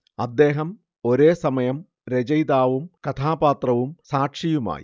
അദ്ദേഹം ഒരേസമയം രചയിതാവും കഥാപാത്രവും സാക്ഷിയുമായി